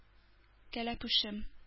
Кәләпүшем